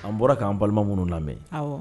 An bɔra k'an balima minnu lamɛn